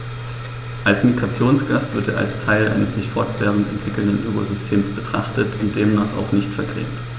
Als Migrationsgast wird er als Teil eines sich fortwährend entwickelnden Ökosystems betrachtet und demnach auch nicht vergrämt.